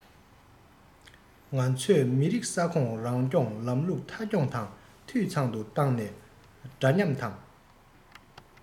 ང ཚོས མི རིགས ས ཁོངས རང སྐྱོང ལམ ལུགས མཐའ འཁྱོངས དང འཐུས ཚང དུ བཏང ནས འདྲ མཉམ དང